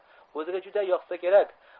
o'ziga juda yoqsa kerak